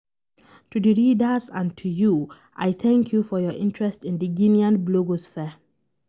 To the readers and to you, I thank you for your interest in the Guinean blogosphere.